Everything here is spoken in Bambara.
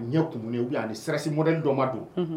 Ye kunununi ye u yan ni sirasi mɔndin dɔ ma don